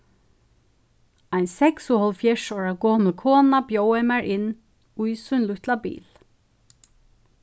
ein seksoghálvfjerðs ára gomul kona bjóðaði mær inn í sín lítla bil